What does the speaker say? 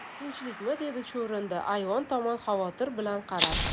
tinchlikmi dedi chuvrindi ayvon tomon xavotir bilan qarab